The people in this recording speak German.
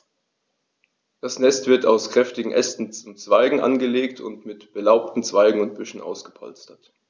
Das Nest wird aus kräftigen Ästen und Zweigen angelegt und mit belaubten Zweigen und Büscheln ausgepolstert.